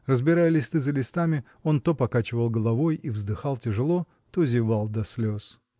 разбирая листы за листами, он то покачивал головой и вздыхал тяжело, то зевал до слез.